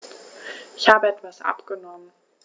Ich habe etwas abgenommen.